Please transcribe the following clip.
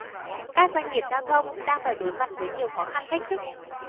các doanh nghiệp giao thông đang phải đối mặt với nhiều khó khăn thách thức